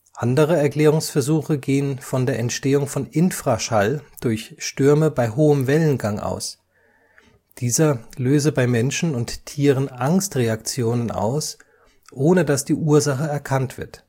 Andere Erklärungsversuche gehen von der Entstehung von Infraschall durch Stürme bei hohem Wellengang aus. Dieser löse bei Menschen und Tieren Angstreaktionen aus, ohne dass die Ursache erkannt wird